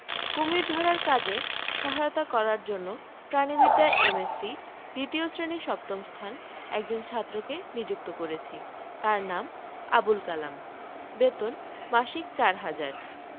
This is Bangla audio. কুশীর ধরার কাজে সহায়তা করার জন্যে প্রাণীবিদ্যায় এম এস সি দ্বিতীয় শ্রেণী সপ্তম স্থান একজন ছাত্রকে নিযুক্ত করেছি তার নাম আবুল কালাম বেতন মাসিক চার হাজার